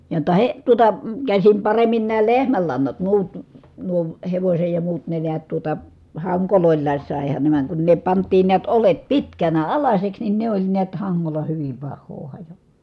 jotta - tuota käsin paremmin nämä lehmänlannat muut nuo hevosen ja muut ne näet tuota hangoilla saihan ne vaan kun ne pantiin näet oljet pitkänä alaiseksi niin ne oli näet hangolla hyvin pahaa -